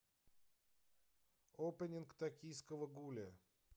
опенинг токийского гуля